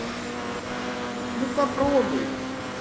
ну попробуй